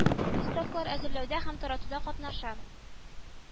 Листовкалар әзерләүдә һәм таратуда катнаша